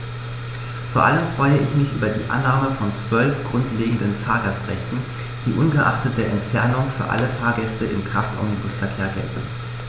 Vor allem freue ich mich über die Annahme von 12 grundlegenden Fahrgastrechten, die ungeachtet der Entfernung für alle Fahrgäste im Kraftomnibusverkehr gelten.